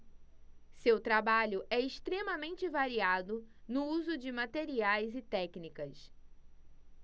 seu trabalho é extremamente variado no uso de materiais e técnicas